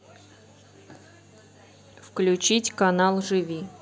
включить канал живи